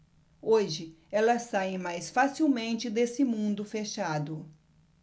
hoje elas saem mais facilmente desse mundo fechado